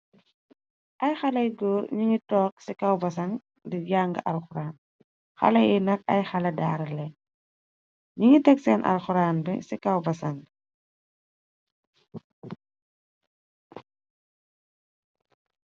Ay xale góor ñu ngi toog ci kaw basang di jang arxurand, xale yi nak ay xale daara len ñi ngi teg seen arxurand ci kawbasang.